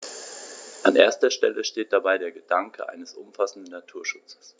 An erster Stelle steht dabei der Gedanke eines umfassenden Naturschutzes.